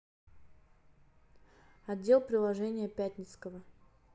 отдел приложения пятницкого